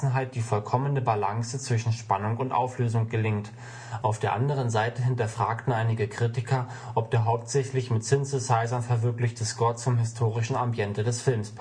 die vollkommende Balance zwischen Spannung und Auflösung gelingt “. Auf der anderen Seite hinterfragten einige Kritiker, ob der hauptsächlich mit Synthesizern verwirklichte Score zum historischen Ambiente des Films